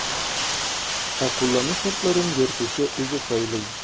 Ә кулланылу шартларын йөртүче үзе сайлый.